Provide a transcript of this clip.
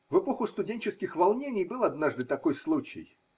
В эпоху студенческих волнений был однажды такой случай.